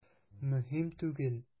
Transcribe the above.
Мөһим түгел.